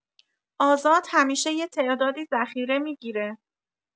آزاد همیشه یه تعدادی ذخیره می‌گیره